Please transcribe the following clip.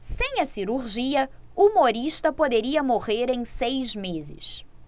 sem a cirurgia humorista poderia morrer em seis meses